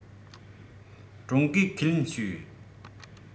ཀྲུང གོས ཁས ལེན བྱོས